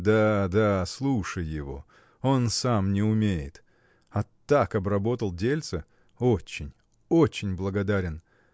– Да, да, слушай его: он сам не умеет. А так обработал дельце. Очень, очень благодарен!